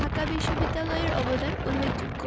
ঢাকা বিশ্ববিদ্যালয়ের অবদান উল্লেখযোগ্য